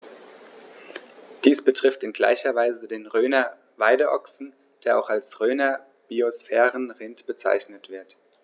Dies betrifft in gleicher Weise den Rhöner Weideochsen, der auch als Rhöner Biosphärenrind bezeichnet wird.